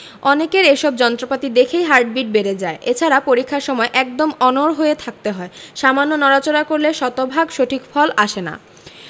অনেকের এসব যন্ত্রপাতি দেখেই হার্টবিট বেড়ে যায় এছাড়া পরীক্ষার সময় একদম অনড় হয়ে থাকতে হয় সামান্য নড়াচড়া করলে শতভাগ সঠিক ফল আসে না